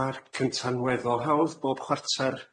Ma'r cynta'n weddol hawdd bob chwarter.